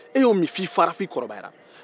e y'o min f'i fara ka kɔrɔbaya